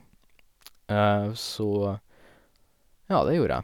Så, ja, det gjorde jeg.